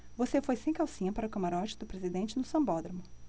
você foi sem calcinha para o camarote do presidente no sambódromo